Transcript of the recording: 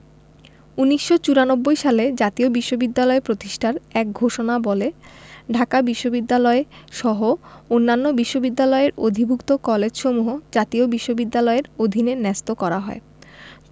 ১৯৯৪ সালে জাতীয় বিশ্ববিদ্যালয় প্রতিষ্ঠার এক ঘোষণাবলে ঢাকা বিশ্ববিদ্যালয়সহ অন্যান্য বিশ্ববিদ্যালয়ের অধিভুক্ত কলেজসমূহ জাতীয় বিশ্ববিদ্যালয়ের অধীনে ন্যস্ত করা হয়